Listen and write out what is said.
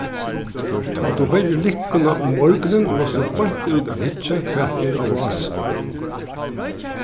tá tú hoyrir likkuna um morgunin mást tú beint út at hyggja hvat er á vási